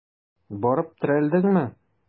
Барып терәлдеңме?